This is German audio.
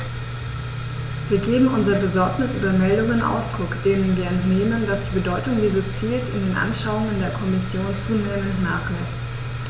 Wir geben unserer Besorgnis über Meldungen Ausdruck, denen wir entnehmen, dass die Bedeutung dieses Ziels in den Anschauungen der Kommission zunehmend nachlässt.